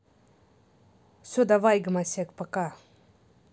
все давай гомосек пока